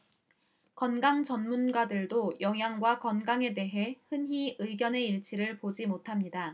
건강 전문가들도 영양과 건강에 대해 흔히 의견의 일치를 보지 못합니다